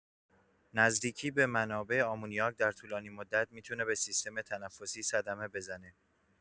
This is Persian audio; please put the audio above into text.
نزدیکی به منابع آمونیاک در طولانی‌مدت می‌تونه به سیستم تنفسی صدمه بزنه.